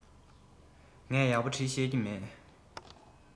ངས ཡག པོ འབྲི ཤེས ཀྱི མེད